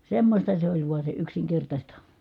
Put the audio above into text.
semmoista se oli vain se yksinkertaista